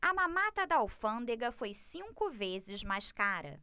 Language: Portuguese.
a mamata da alfândega foi cinco vezes mais cara